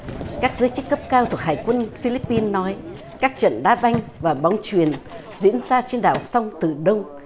các giới chức cấp cao thuộc hải quân phi líp pin nói các trận đá banh và bóng chuyền diễn ra trên đảo song tử đông